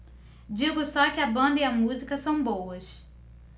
digo só que a banda e a música são boas